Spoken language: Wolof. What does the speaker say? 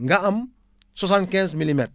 nga am 75 milimètres